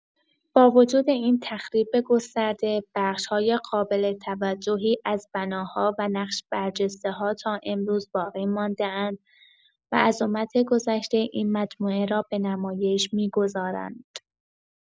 با وجود این تخریب گسترده، بخش‌های قابل توجهی از بناها و نقش‌برجسته‌ها تا امروز باقی مانده‌اند و عظمت گذشته این مجموعه را به نمایش می‌گذارند.